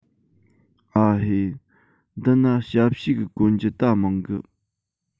ཨ ཧེ འདི ན ཞ བྱིས གི གོན རྒྱུ ད མང གི